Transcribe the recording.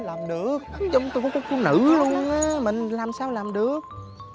làm được trông tôi giống cung nữ luôn á mình làm sao làm được